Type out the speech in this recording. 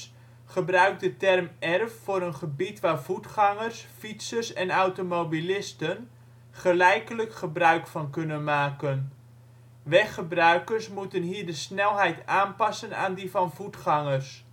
gebruikt de term erf voor een gebied waar voetgangers, fietsers en automobilisten gelijkelijk gebruik van kunnen maken. Weggebruikers moeten hier de snelheid aanpassen aan die van voetgangers